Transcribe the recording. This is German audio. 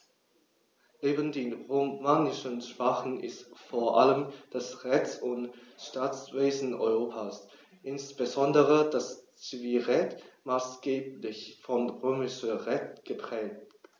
Neben den romanischen Sprachen ist vor allem das Rechts- und Staatswesen Europas, insbesondere das Zivilrecht, maßgeblich vom Römischen Recht geprägt.